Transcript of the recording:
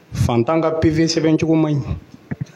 Fan tan ka pewupiy sɛbɛn cogo man ɲi